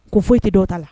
Ko foyi i tɛ dɔw ta la